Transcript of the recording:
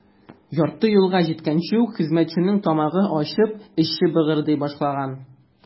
Ярты юлга җиткәнче үк хезмәтченең тамагы ачып, эче быгырдый башлаган.